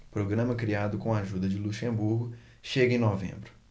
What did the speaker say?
programa criado com a ajuda de luxemburgo chega em novembro